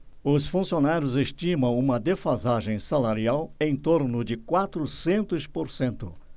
os funcionários estimam uma defasagem salarial em torno de quatrocentos por cento